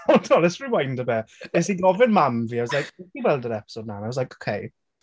Hold on let's rewind a bit. Wnes i gofyn Mam fi, I was like "Wnest ti gweld yr episode 'na?" And I was like "Ok."